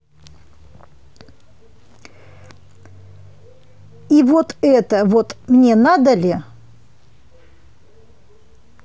и вот это вот мне надо ли